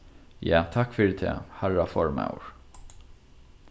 ja takk fyri tað harra formaður